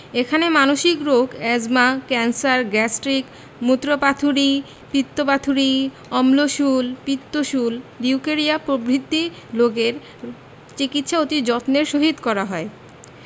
এখানে মানসিক রোগ এ্যজমা ক্যান্সার গ্যাস্ট্রিক মুত্রপাথড়ী পিত্তপাথড়ী অম্লশূল পিত্তশূল লিউকেরিয়া প্রভৃতি রোগের চিকিৎসা অতি যত্নের সহিত করা হয়